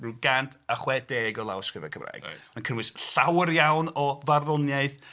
Rhyw cant a chwe deg o lawysgrifau Cymraeg... Reit... Yn cynnwys llawer iawn o farddoniaeth...